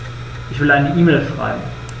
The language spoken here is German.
Ich will eine E-Mail schreiben.